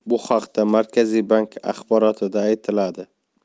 bu haqda markaziy bank axborotida aytiladi